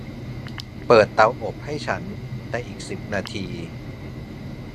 เปิดเตาอบให้ฉันในอีกสิบนาที